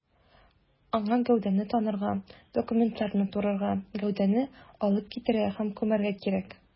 Аңа гәүдәне танырга, документларны турырга, гәүдәне алып китәргә һәм күмәргә кирәк.